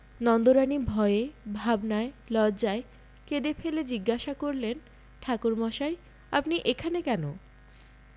নন্দরানী ভয়ে ভাবনায় লজ্জায় কেঁদে ফেলে জিজ্ঞাসা করলেন ঠাকুরমশাই আপনি এখানে কেন